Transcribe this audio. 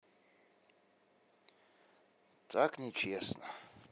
так не честно